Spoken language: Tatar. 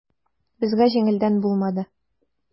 Безгә җиңелдән булмады.